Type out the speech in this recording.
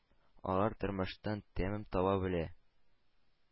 Алар тормыштан тәм таба белә.